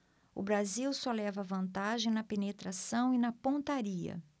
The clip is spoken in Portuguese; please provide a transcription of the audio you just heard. o brasil só leva vantagem na penetração e na pontaria